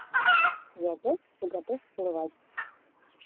я пес и готов вплывать